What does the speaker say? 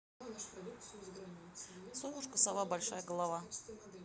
совушка сова большая голова